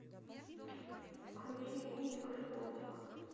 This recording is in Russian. включи винтик и шпунтик